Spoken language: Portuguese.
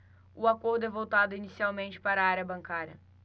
o acordo é voltado inicialmente para a área bancária